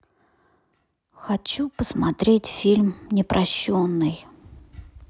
хочу посмотреть фильм непрощенный